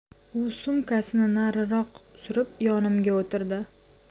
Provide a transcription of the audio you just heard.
u sumkasini nariroq surib yonimga o'tirdi